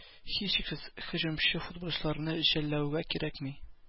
Һичшиксез һөҗүмче футболистларны жәллэүгә кирәкми.